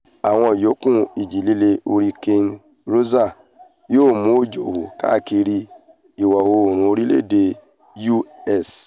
Àwọn ìyókù Ìjì-lílè Hurricane Rosa yóò mú òjò wọ káàkàkiri ìwọ̀-oòrùn orílẹ̀-èdè US